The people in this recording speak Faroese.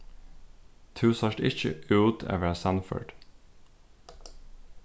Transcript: tú sært ikki út at vera sannførd